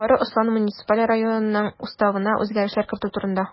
Югары Ослан муниципаль районынның Уставына үзгәрешләр кертү турында